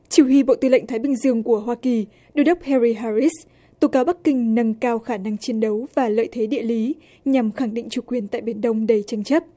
chỉ huy bộ tư lệnh thái bình dương của hoa kỳ đô đốc he ri ha rít tố cáo bắc kinh nâng cao khả năng chiến đấu và lợi thế địa lý nhằm khẳng định chủ quyền tại biển đông đầy tranh chấp